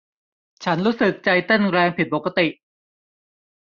ฉันรู้สึกใจเต้นแรงผิดปกติ